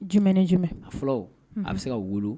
J ni jumɛnmɛ a fɔlɔ a bɛ se ka wu